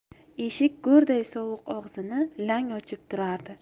eshik go'rday sovuq og'zini lang ochib turardi